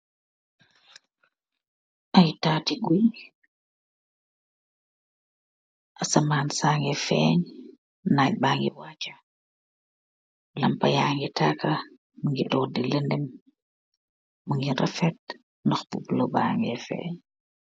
Iiiy taati guiyy, asahman saa nngeh fengh, nach bangy wacha, lampah yangy taarkah, mungy dorr dii leundem, mungy rafet, ndokh bu bleu bangy fengh.